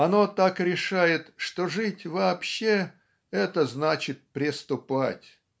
Оно так решает, что жить вообще это значит преступать.